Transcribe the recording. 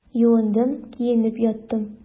Юындым, киенеп яттым.